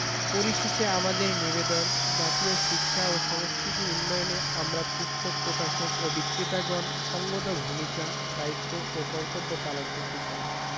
পরিশেষে আমাদের নিবেদন জাতীয় শিক্ষা ও সংস্কিতি উন্নয়নে আমরা পুস্তক প্রকাশক ও বিক্রেতাগণ সঙ্গত ভূমিকা দায়িত্ব ও কর্তব্য পালন করতে চাই